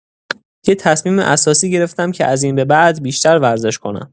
یه تصمیم اساسی گرفتم که از این به بعد بیشتر ورزش کنم.